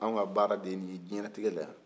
an ka baara de ye nin ye diɲɛlatigɛ la yan